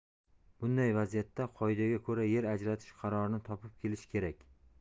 bunday vaziyatda qoidaga ko'ra yer ajratish qarorini topib kelish kerak